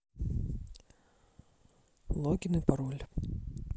логин и пароль